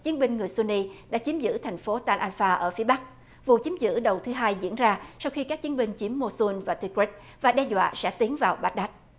chiến binh người xu ni đã chiếm giữ thành phố ta la xa ở phía bắc vụ chiếm giữ đầu thứ hai diễn ra sau khi các chiến binh chiếm mô xun và ti cờ rếch và đe dọa sẽ tiến vào bát đát